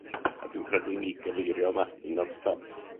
A dwi'n credu i mi gyfeirio 'ma un o'r petha